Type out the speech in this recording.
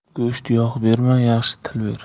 go'sht yog' berma yaxshi til ber